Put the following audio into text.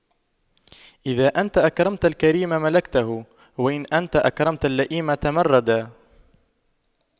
إذا أنت أكرمت الكريم ملكته وإن أنت أكرمت اللئيم تمردا